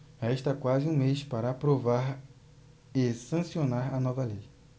resta quase um mês para aprovar e sancionar a nova lei